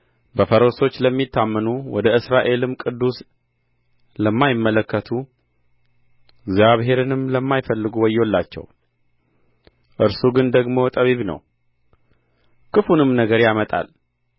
በፈረሰኞች ለሚታመኑ ወደ እስራኤልም ቅዱስ ለማይመለከቱ እግዚአብሔርንም ለማይፈልጉ ወዮላቸው እርሱ ግን ደግሞ ጠቢብ ነው ክፉንም ነገር ያመጣል